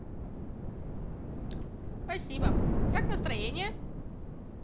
спасибо как настроение